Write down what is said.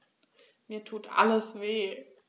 Mir tut alles weh.